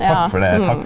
ja .